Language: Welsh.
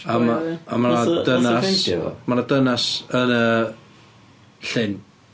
A mae a mae 'na dynas mae 'na dynas yn y llyn...